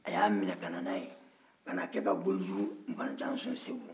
a y'a minɛ ka na n'a ye ka n'a kɛ ka boli jugu sɔn segu